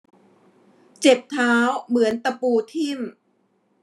เจ็บเท้าเหมือนตะปูทิ่ม